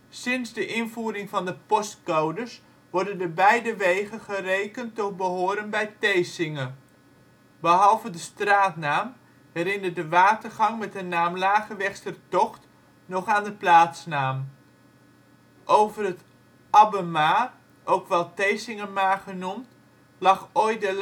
Sinds de invoering van de postcodes worden de beide wegen gerekend te behoren bij Thesinge. Behalve de straatnaam, herinnert de watergang met de naam Lagewegstertocht nog aan de plaatsnaam. Over het Abbemaar (ook wel Thesingermaar genoemd) lag ooit de